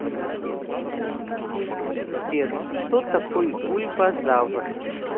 сбер кто такой бульбазавр